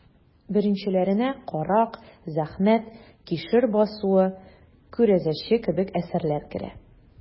Беренчеләренә «Карак», «Зәхмәт», «Кишер басуы», «Күрәзәче» кебек әсәрләр керә.